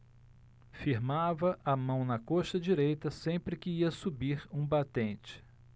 firmava a mão na coxa direita sempre que ia subir um batente